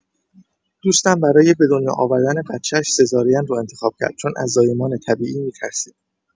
دوستم برای به دنیا آوردن بچه‌ش سزارین رو انتخاب کرد چون از زایمان طبیعی می‌ترسید.